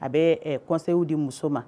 A bɛ conseil di muso ma